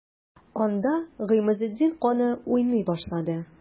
Анда Гыймазетдин каны уйный башлады.